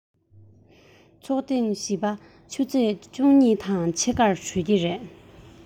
ཆུ ཚོད བཅུ གཉིས དང ཕྱེད ཀར གྲོལ གྱི རེད